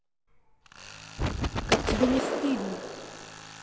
как тебе не стыдно